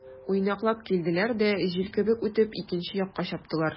Уйнаклап килделәр дә, җил кебек үтеп, икенче якка чаптылар.